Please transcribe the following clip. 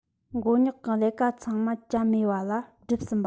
མགོ རྙོག གི ལས ཀ ཚང མ ཅམ མེ བ ལ བསྒྲུབས ཟིན པ ཡིན